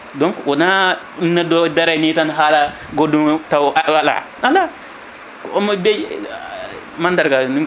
donc wona neɗɗo o daray ni tan haala goɗɗum taw a voilà non non ko omo deeƴi mandarga